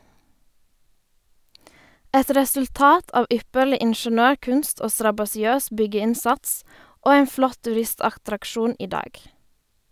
Et resultat av ypperlig ingeniørkunst og strabasiøs byggeinnsats, og en flott turistattraksjon i dag.